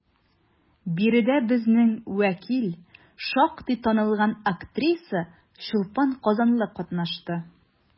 Биредә безнең вәкил, шактый танылган актриса Чулпан Казанлы катнашты.